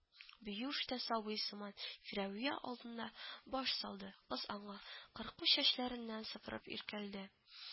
Биюш тә, сабый сыман, Фирәвия алдына баш салды, кыз аңа кырку чәчләреннән сыпырып иркәлде